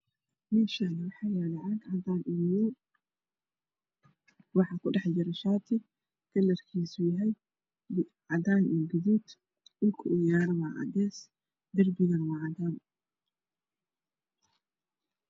Meeshaani waxaa yaalo caag cadaan oo madow waxaa ku dhex jiro shaati kalarkisa cadaan iyo guduug dhulka uu yaalana waa cadays darbigana waa cadays